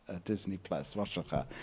Yy, 'Disney Plus', watsiwch e.